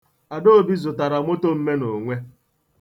Adaobi zụtara moto mmenonwe.